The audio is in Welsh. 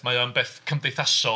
Mae o'n beth cymdeithasol.